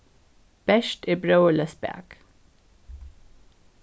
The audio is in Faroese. bert er bróðurleyst bak